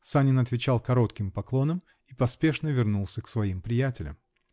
Санин отвечал коротким поклоном и поспешно вернулся к своим приятелям.